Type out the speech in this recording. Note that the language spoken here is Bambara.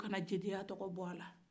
kana jeliya tɔgɔ bɔ a la